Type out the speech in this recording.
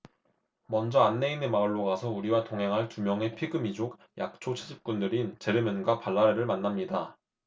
먼저 안내인의 마을로 가서 우리와 동행할 두 명의 피그미족 약초 채집꾼들인 제르멘과 발라레를 만납니다